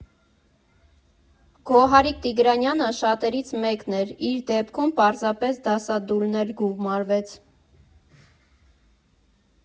Գոհարիկ Տիգրանյանը շատերից մեկն էր, իր դեպքում պարզապես դասադուլն էլ գումարվեց։